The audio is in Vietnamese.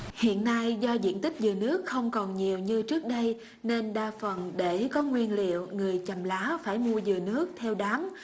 hiện nay do diện tích dừa nước không còn nhiều như trước đây nên đa phần để có nguyên liệu người chằm lá phải mua dừa nước theo đám